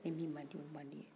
nin min man d'i ye o man di n ye